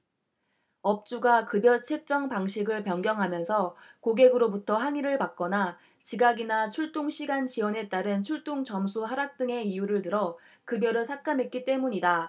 업주가 급여 책정 방식을 변경하면서 고객으로부터 항의를 받거나 지각이나 출동 시간 지연에 따른 출동점수 하락 등의 이유를 들어 급여를 삭감했기 때문이다